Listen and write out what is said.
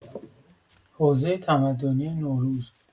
حوزه تمدنی نوروز